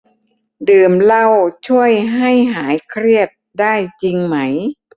ดื่มเหล้าช่วยให้หายเครียดได้จริงไหม